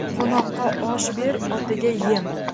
qo'noqqa osh ber otiga yem